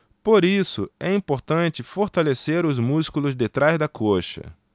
por isso é importante fortalecer os músculos de trás da coxa